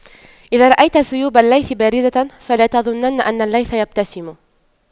إذا رأيت نيوب الليث بارزة فلا تظنن أن الليث يبتسم